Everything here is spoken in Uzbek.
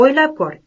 o'ylab ko'r